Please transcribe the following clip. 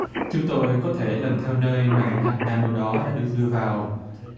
chúng tôi có thể lần theo nơi mà những hạt na nô đó đã được đưa vào